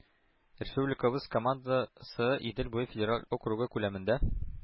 Республикабыз командасы Идел буе федераль округы күләмендә